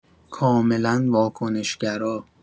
کاملا واکنش گرا